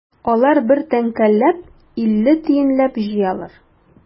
Алар бер тәңкәләп, илле тиенләп җыялар.